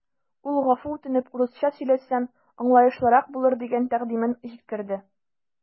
Ул гафу үтенеп, урысча сөйләсәм, аңлаешлырак булыр дигән тәкъдимен җиткерде.